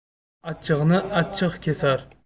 achchiqni achchiq kesar